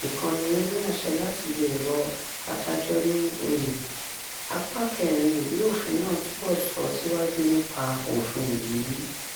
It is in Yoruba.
nìkan ni ó ní àṣẹ láti lè rọ adájọ́ ní oyè. Apá IV ìwé òfin náà túbọ̀ sọ síwájú nípa òfin yìí.